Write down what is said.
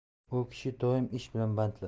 u kishi doim ish bilan bandlar